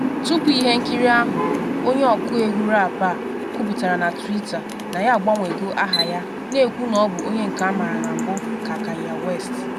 Tupu ihe nkiri ahụ onye ọkụ egwu rap a, kwuputara na Twitter na ya agbanwego aha ya, na-ekwu na ọ bụ “onye nke amaara na mbu ka Kanye West.”